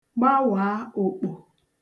gbawàà òkpò